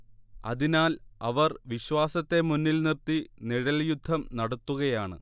അതിനാൽ അവർ വിശ്വാസത്തെ മുന്നിൽ നിർത്തി നിഴൽയുദ്ധം നടത്തുകയാണ്